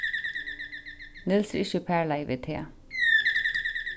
niels er ikki í parlagi við teg